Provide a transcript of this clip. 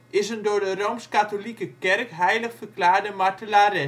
is een door de Rooms-katholieke Kerk heilig verklaarde martelares